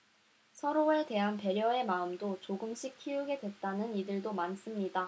서로에 대한 배려의 마음도 조금씩 키우게 됐다는 이들도 많습니다